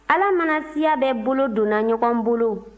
ala maa siya bɛɛ bolo donna ɲɔgɔn bolo